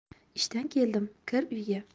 ishdan keldim kir uyga